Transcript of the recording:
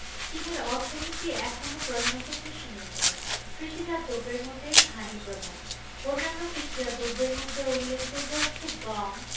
চীনের অর্থনীতি এখনো প্রধানত কৃষিনির্ভর কৃষিজাত দ্রব্যের মধ্যে ধানই প্রধান অন্যান্য কৃষিজাত দ্রব্যের মধ্যে উল্লেখযোগ্য হচ্ছে গম